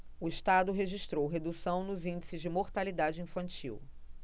o estado registrou redução nos índices de mortalidade infantil